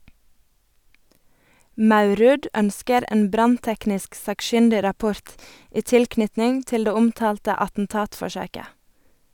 Maurud ønsker en brannteknisk sakkyndigrapport i tilknytning til det omtalte attentatforsøket.